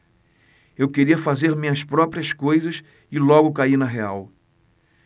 eu queria fazer minhas próprias coisas e logo caí na real